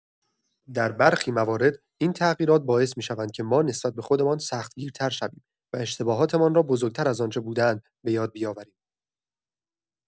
در برخی موارد، این تغییرات باعث می‌شوند که ما نسبت به خودمان سخت‌گیرتر شویم و اشتباهاتمان را بزرگ‌تر از آنچه بوده‌اند، بۀاد بیاوریم.